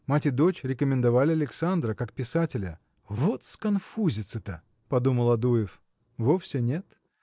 мать и дочь рекомендовали Александра как писателя. Вот сконфузится-то! – подумал Адуев. Вовсе нет.